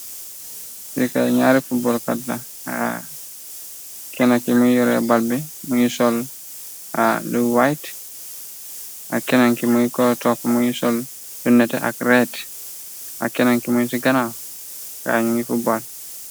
firkay ñaari fubbolkat la, a kenan ki muy yoree bal bi, mu ngi sol a lu white, ak kenanki muy k topp mungi sol tunnete ak ret, ak kenanki muy ci ganaaw, raañu ngi fubbol.